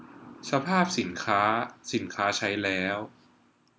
สภาพสินค้าสินค้าใช้แล้ว